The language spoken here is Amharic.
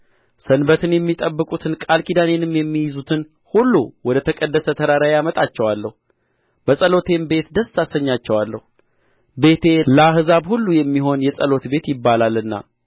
ሰንበትን የሚጠብቁትን ቃል ኪዳኔንም የሚይዙትን ሁሉ ወደ ተቀደሰ ተራራዬ አመጣቸዋለሁ በጸሎቴም ቤት ደስ አሰኛቸዋለሁ ቤቴ ለአሕዛብ ሁሉ የሚሆን የጸሎት ቤት ይባላልና